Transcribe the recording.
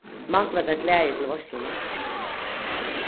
manglar tær klæði til veitsluna